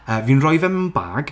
Fi'n rhoi fe yn bag...